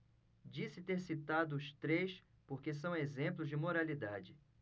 disse ter citado os três porque são exemplos de moralidade